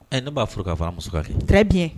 Ɛ ne b'a furu k'a faramuso ka kɛ ke bi ye